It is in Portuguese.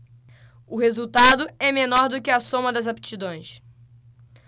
o resultado é menor do que a soma das aptidões